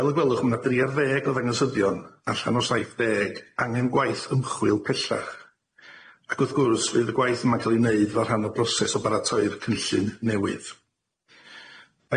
Fel y gwelwch ma' 'na dri ar ddeg o ddangosyddion allan o saith deg angen gwaith ymchwil pellach ac wrth gwrs fydd y gwaith yma'n ca'l ei wneud fel rhan o broses o baratoi'r cynllun newydd.